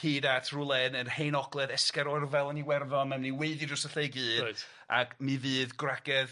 Hyd at rywle yn yr Hen Ogledd, Esgaroerfel yn Iwerddon, ma' myn' i weiddi dros y lle i gyd. Reit. ac mi fydd gwragedd